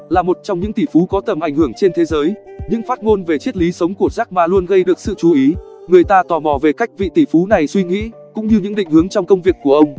là một trong những tỷ phú gia có tầm ảnh hưởng trên thế giới những phát ngôn về triết lý sống của jack ma luôn gây được sự chú ý người ta tò mò về cách vị tỷ phú này suy nghĩ cũng như những định hướng trong công việc của ông